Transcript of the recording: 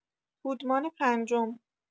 پودمان پنجم